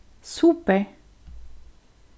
super